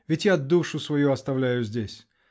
Ведь я душу свою оставляю здесь!